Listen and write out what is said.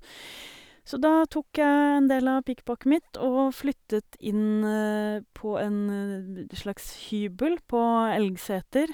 Så da tok jeg en del av pikkpakket mitt og flyttet inn på en bd slags hybel på Elgseter.